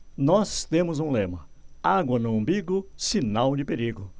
nós temos um lema água no umbigo sinal de perigo